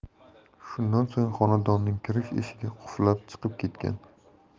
shundan so'ng xonadonning kirish eshigini qulflab chiqib ketgan